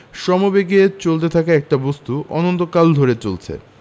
সমবেগে চলতে থাকা একটা বস্তু অনন্তকাল ধরে চলছে